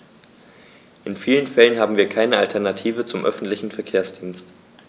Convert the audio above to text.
In vielen Fällen haben wir keine Alternative zum öffentlichen Verkehrsdienst.